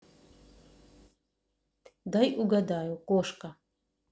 дай угадаю кошка